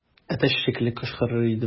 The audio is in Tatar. Әтәч шикелле кычкырыр идем.